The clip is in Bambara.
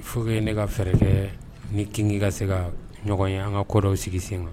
Fo ne ka fɛɛrɛ kɛ ni kin ka se ka ɲɔgɔn ye an ka kɔrɔw sigi sen kan